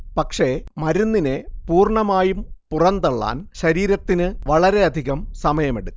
പക്ഷേ മരുന്നിനെ പൂർണ്ണമായും പുറന്തള്ളാൻ ശരീരത്തിന് വളരെയധികം സമയമെടുക്കും